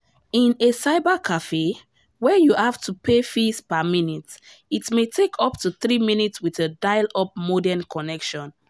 In a cybercafe, where you have to pay fees per minute, it may take up to 3 minutes with a dial up modem connection.